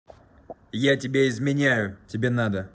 я тебе изменяю тебе надо